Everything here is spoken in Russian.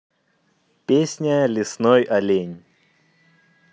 песня лесной олень